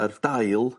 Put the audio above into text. yr dail